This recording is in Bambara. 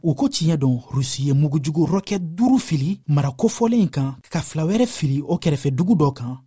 u ko tiɲɛ don rusi ye mugujugu rocket duuru fili mara kofɔlen kan ka fila wɛrɛ fili o kɛrɛfɛ dugu dɔ kan